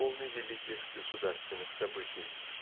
полный великих государственных событий.